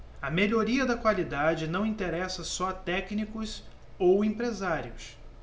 a melhoria da qualidade não interessa só a técnicos ou empresários